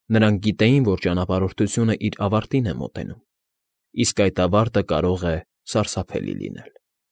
Նրանք գիտեին, որ ճանապարհորդությունն իր ավարտին է մոտենում, իսկ այդ ավարտը կարող է սարսափելի լինել։